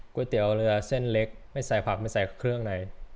ก๋วยเตี๋ยวเรือเส้นเล็กไม่ใส่ผักไม่ใส่เครื่องใน